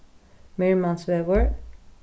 mirmansvegur